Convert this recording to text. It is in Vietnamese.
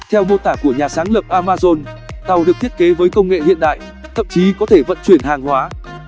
theo mô tả của nhà sáng lập amazon tàu được thiết kế với công nghệ hiện đại thậm chí có thể vận chuyển hàng hóa